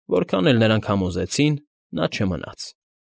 Որքան էլ նրան համոզեցին, նա չմնաց։